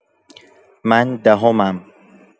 من دهمم